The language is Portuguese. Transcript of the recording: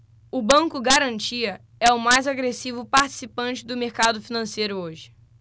o banco garantia é o mais agressivo participante do mercado financeiro hoje